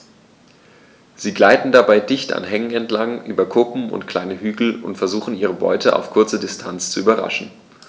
Sie gleiten dabei dicht an Hängen entlang, über Kuppen und kleine Hügel und versuchen ihre Beute auf kurze Distanz zu überraschen.